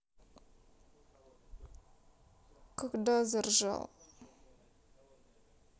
когда заржал